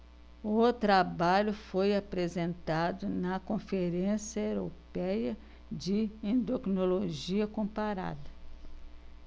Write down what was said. o trabalho foi apresentado na conferência européia de endocrinologia comparada